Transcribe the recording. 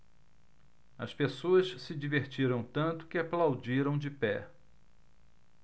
as pessoas se divertiram tanto que aplaudiram de pé